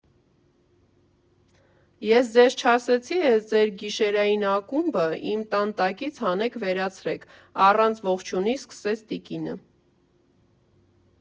Ես ձեզ չասեցի՞՝ էս ձեր գիշերային ակումբը իմ տան տակից հանեք վերացրեք, ֊ առանց ողջույնի սկսեց տիկինը։